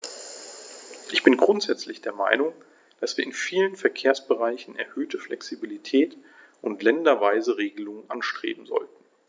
Ich bin grundsätzlich der Meinung, dass wir in vielen Verkehrsbereichen erhöhte Flexibilität und länderweise Regelungen anstreben sollten.